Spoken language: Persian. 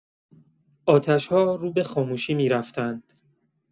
آتش‌ها رو به خاموشی می‌رفتند.